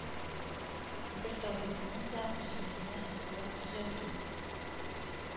Бер табибның да үсмерне холык төзәтү